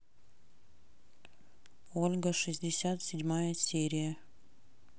ольга шестьдесят седьмая серия